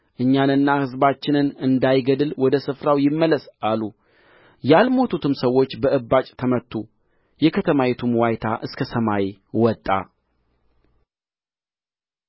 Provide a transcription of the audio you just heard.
እኛንና ሕዝባችንን እንዳይገድል ወደ ስፍራው ይመለስ አሉ ያልሞቱትም ሰዎች በእባጭ ተመቱ የከተማይቱም ዋይታ እስከ ሰማይ ወጣ